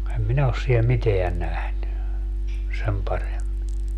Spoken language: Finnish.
en minä ole siellä mitään nähnyt sen paremmin